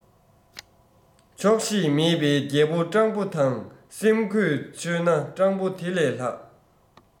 ཆོག ཤེས མེད པའི རྒྱལ པོ སྤྲང པོ དང སེམས གོས ཆོད ན སྤྲང པོ དེ ལས ལྷག